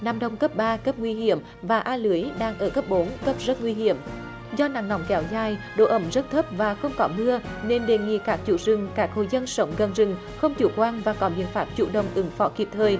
nam đông cấp ba cấp nguy hiểm và a lưới đang ở cấp bốn cấp rất nguy hiểm do nắng nóng kéo dài độ ẩm rất thấp và không có mưa nên đề nghị các chủ rừng các hộ dân sống gần rừng không chủ quan và có biện pháp chủ động ứng phó kịp thời